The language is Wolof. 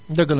dëgg la